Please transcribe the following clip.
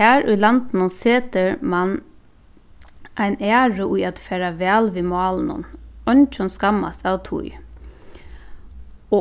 har í landinum setir mann ein æru í at fara væl við málinum eingin skammast av tí